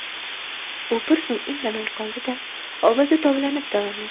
u bir zum indamay qoldi da ovozi tovlanib davom etdi